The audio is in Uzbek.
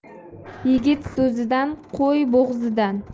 yigit so'zidan qo'y bo'g'zidan